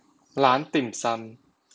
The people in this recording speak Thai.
ร้านติ่มซำ